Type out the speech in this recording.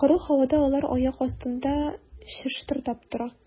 Коры һавада алар аяк астында чыштырдап тора.